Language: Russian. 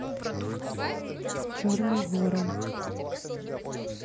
черный ворон